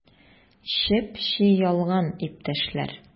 Чеп-чи ялган, иптәшләр!